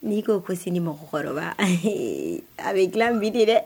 Ni ko sini mɔgɔkɔrɔba a bɛ gilan bi de dɛ.